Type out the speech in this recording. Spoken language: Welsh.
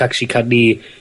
...actually ca'l ni